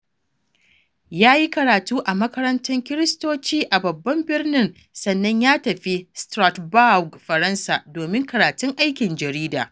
Ya yi karatu a makarantun Kiristoci a babban birnin, sannan ya tafi Strasbourg, Faransa domin karatun aikin jarida.